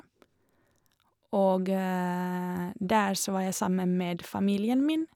Og der så var jeg sammen med familien min.